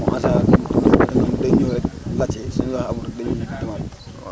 moom en général * day ñëw rek laajte su ñu la waxee amul rek dañuy demaat